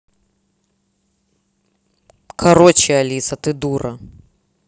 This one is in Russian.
короче алиса ты дура